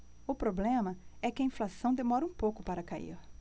o problema é que a inflação demora um pouco para cair